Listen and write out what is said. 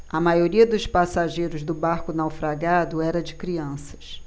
a maioria dos passageiros do barco naufragado era de crianças